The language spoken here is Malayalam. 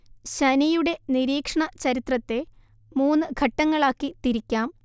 ശനിയുടെ നിരീക്ഷണ ചരിത്രത്തെ മൂന്ന് ഘട്ടങ്ങളാക്കി തിരിക്കാം